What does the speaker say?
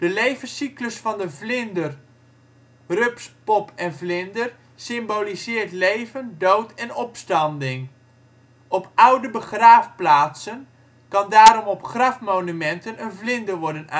levenscyclus van de vlinder: rups, pop en vlinder symboliseert leven, dood en opstanding. Op oude begraafplaatsen kan daarom op grafmonumenten een vlinder worden aangetroffen